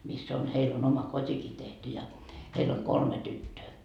missä on heillä on oma kotikin tehty ja heillä on kolme tyttöä